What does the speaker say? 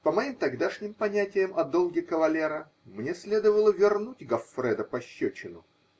По моим тогдашним понятиям о долге кавалера, мне следовало вернуть Гоффредо пощечину